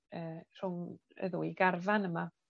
yy rhwng y ddwy garfan yma.